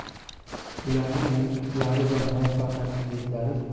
ularning yutuqlari va muvaffaqiyatsizliklari